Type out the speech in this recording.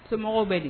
Somɔgɔw bɛ di